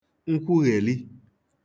nkwughèli